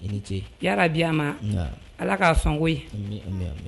I ni ce. Ya rabi ya ma .Na. Ala k'a sɔn koyi!